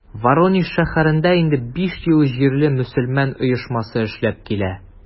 Воронеж шәһәрендә инде биш ел җирле мөселман оешмасы эшләп килә.